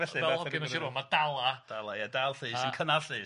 ma' dala... Dala ie dal llys yn cynnal llys.